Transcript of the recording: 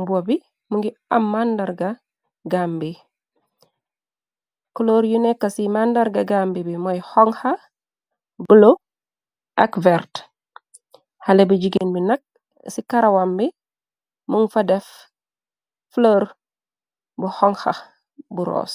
mbobi mu ngi am màndarga gam bi color yu nekk ci màndarga gambi bi mooy honka bola ak verte xale bu jigéen bi nak ci karawam bi mun fa def folor bu hongka bu ros.